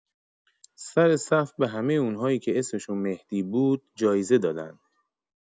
سر صف به همۀ اونایی که اسمشون مهدی بود جایزه دادن.